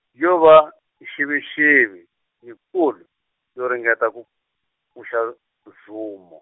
yo va, nxivinxivi, yikulu, yo ringeta, ku pfuxa Zumo.